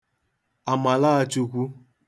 àmàlàchukwu